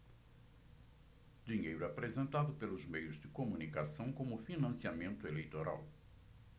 dinheiro apresentado pelos meios de comunicação como financiamento eleitoral